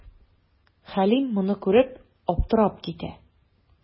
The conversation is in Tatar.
Хәлим моны күреп, аптырап китә.